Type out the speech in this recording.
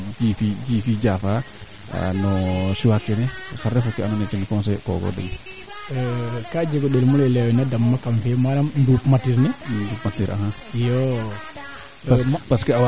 suqi fee sax ca depend rek no kee o duuf kaa qol laa i waaga no mbax ndaa koy suqi moom ande o qol leeke fina o mbuuc ten moƴu o laana fina a ndak ona mbaxkan kon mbaxkeen mbuƴonge